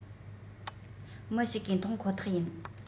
མི ཞིག གིས མཐོང ཁོ ཐག ཡིན